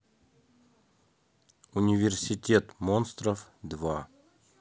университет монстров два